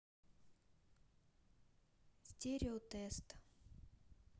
стерео тест